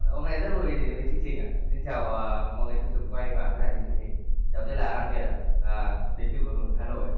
hôm nay rất vui đến với chương trình ạ xin chào mọi người trong trường quay và khán giả trên truyền hình cháu tên là an việt ạ ờ đến từ hà nội ạ